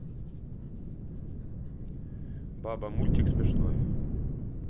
буба мультик смешной